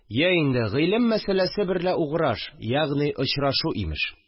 Йә инде, гыйлем мәсьәләсе берлә угъраш, ягъни очрашу, имеш